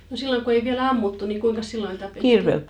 no silloin kun ei vielä ammuttu niin kuinkas silloin tapettiin